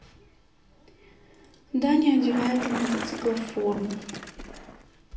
даня одевает для мотоциклов форму